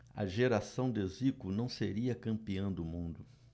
a geração de zico não seria campeã do mundo